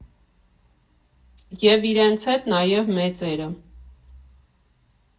ԵՒ իրենց հետ նաև մեծերը։